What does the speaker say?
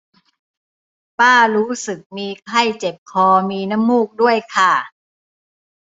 ป้ารู้สึกมีไข้เจ็บคอมีน้ำมูกด้วยค่ะ